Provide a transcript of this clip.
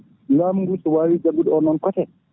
laamu ngu so wawi jaggude onɗon côté